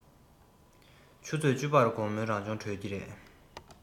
ཆུ ཚོད བཅུ པར དགོང མོའི རང སྦྱོང གྲོལ ཀྱི རེད